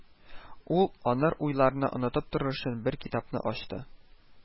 Ул, аныр уйларны онытып торыр өчен, бер китапны ачты